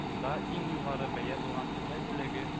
Да иң югары бәя булган тукай бүләге